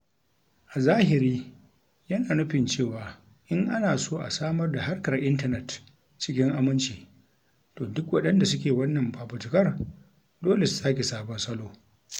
A zahiri, yana nufin cewa in ana so a samar da harkar intanet cikin aminci, to duk waɗanda suke wannan fafutukar dole su sake sabon salo.